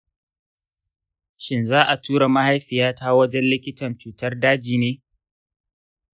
shin za a tura mahaifiyata wajen likitan cutar daji ne?